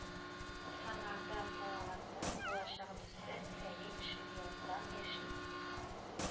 Самарда Салаватның балачак дусты Фәрид Ширияздан яши